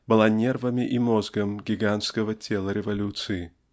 была нервами и мозгом гигантского тела революции.